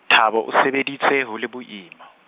Thabo o sebeditse ho le boima.